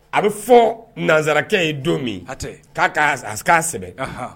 A bɛ fɔ nanzarakɛ ye don min; hatɛ; k'a ka ka sɛbɛn; anhan.